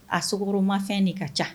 A sogo mafɛn de ka ca